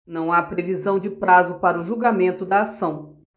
não há previsão de prazo para o julgamento da ação